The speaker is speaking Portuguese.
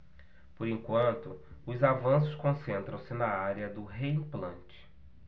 por enquanto os avanços concentram-se na área do reimplante